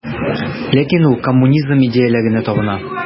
Ләкин ул коммунизм идеяләренә табына.